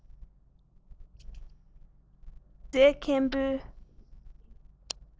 སྒྱུ རྩལ མཁན པོའི